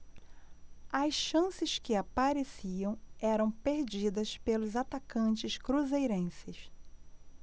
as chances que apareciam eram perdidas pelos atacantes cruzeirenses